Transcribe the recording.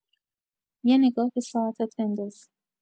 یه نگاه به ساعتت بنداز